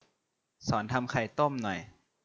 สอนทำไข่ต้มหน่อย